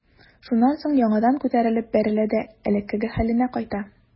Шуннан соң яңадан күтәрелеп бәрелә дә элеккеге хәленә кайта.